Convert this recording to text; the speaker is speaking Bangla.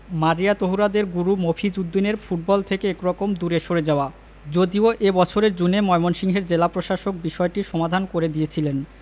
মারিয়া তহুরাদের গুরু মফিজ উদ্দিনের ফুটবল থেকে একরকম দূরে সরে যাওয়া যদিও এ বছরের জুনে ময়মনসিংহের জেলা প্রশাসক বিষয়টির সমাধান করে দিয়েছিলেন